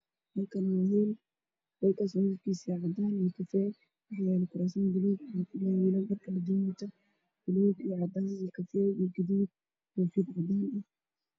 Halkaan waa hool midabkiisu waa cadaan iyo kafay, waxaa yaalo kuraasman buluug ah waxaa kufadhiyo dad dhar kale duwan wato buluug, cadaan iyo kafay, madow iyo gaduud, koofi cadaan.